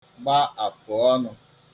gba àfụ̀ọnụ̄